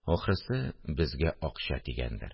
Ахрысы, безгә акча тигәндер